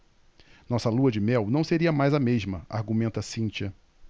nossa lua-de-mel não seria mais a mesma argumenta cíntia